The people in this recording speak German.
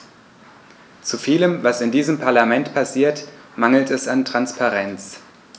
Zu vielem, was in diesem Parlament passiert, mangelt es an Transparenz.